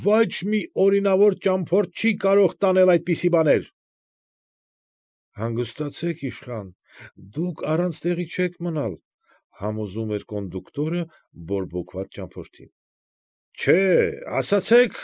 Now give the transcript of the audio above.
Ոչ մի օրինավոր ճամփորդ չի կարող տանել այդպիսի բաներ։ ֊ Հանգստացեք, իշխա՛ն, դուք առանց տեղի չեք մնալ,֊ համոզում էր կոնդուկտորը բորբոքված ճամփորդին։ ֊ Չէ՛, ասացեք։